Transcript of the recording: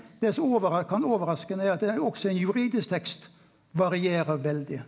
det som kan overraska ein er at også ein juridisk tekst varierer veldig.